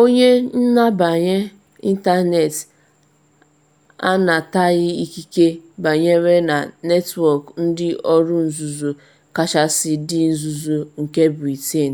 Onye nbanye ịntanetị anataghị ikike banyere na netwọk ndị ọrụ nzuzo kachasị dị nzuzo nke Britain,